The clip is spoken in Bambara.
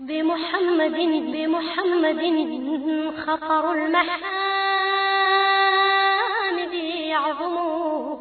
Denmumusonin denmuminila miniyangɛnin yobugu